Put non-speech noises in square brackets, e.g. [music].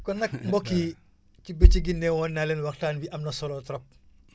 kon nag [laughs] mbokk yi ci * gi ne woon naa leen waxtaan bi am na solo trop